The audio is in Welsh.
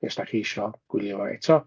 Neu os da chi isho gwylio eto.